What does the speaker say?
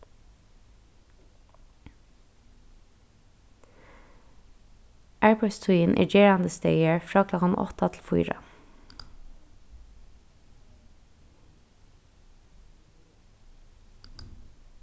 arbeiðstíðin er gerandisdagar frá klokkan átta til fýra